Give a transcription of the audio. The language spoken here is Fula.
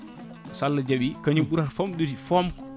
so Allah jaaɓi kañum ɓurrata famɗude fomko